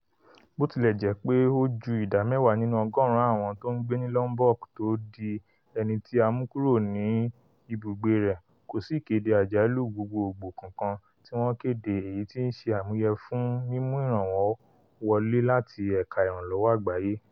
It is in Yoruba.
Bó tilè jẹ pé ó ju ìdá mẹ́wàá nínú ọgọ́ọ̀rún àwọn tó ń gbé ní Lombok tó di ẹni tí a mú kúrò ní ibùgbe rẹ̀, kòsì ìkéde àjálù gbogbogbòò kankan tí wọ́n kéde, èyi tíí ṣe àmúyẹ fún mímú ìrànwọ́ wọlé láti ẹ̀ka ìrànlọ́wọ́ àgbáyé.